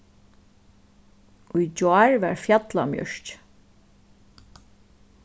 í gjár var fjallamjørki